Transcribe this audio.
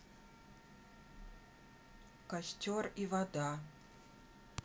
костер и вода